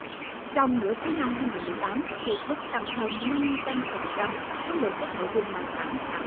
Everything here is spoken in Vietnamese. trong nửa cuối năm hai ngàn mười tám phây búc tăng hơn năm trăm phần trăm số lượng các nội dung mà hãng hạn